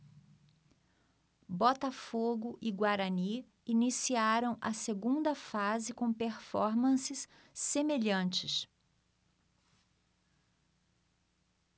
botafogo e guarani iniciaram a segunda fase com performances semelhantes